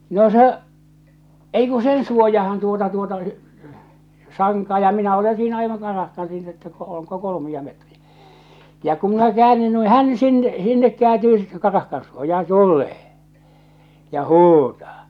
no se ei kun sen suojaan tuota tuota sankaa ja minä olen siinä aivan karahkan siinä että - onko kolmea metriä ja kun minä käännyn noin hän - sinne kääntyy sitten karahkan suojaan tulee ja huutaa